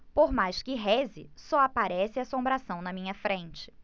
por mais que reze só aparece assombração na minha frente